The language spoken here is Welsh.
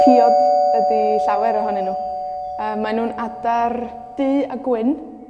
Piod ydi llawer ohonyn nw, a mae nw'n adar du a gwyn,